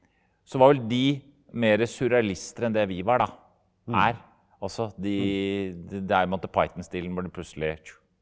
så var vel de mere surrealister enn det vi var da er også de det er Monty Python-stilen hvor det plutselig.